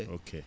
ok